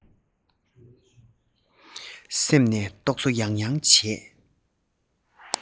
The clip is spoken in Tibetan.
སེམས ནས རྟོག བཟོ ཡང ཡང བྱས